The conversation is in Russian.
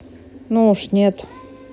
ну уж нет